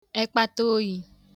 ekpataoyi